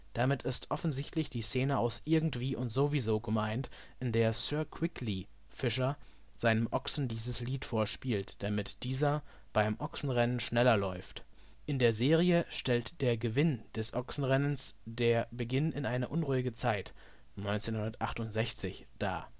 Damit ist offensichtlich die Szene aus Irgendwie und Sowieso gemeint, in der " Sir Quickly " (Fischer) seinem Ochsen dieses Lied vorspielt, damit dieser beim Ochsenrennen schneller läuft. In der Serie stellt der Gewinn des Ochsenrennens der Beginn in eine unruhige Zeit - 1968 - dar